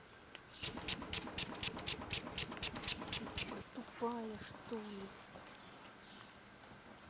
ты че тупая что ли